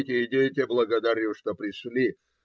- Идите, идите - Благодарю, что пришли.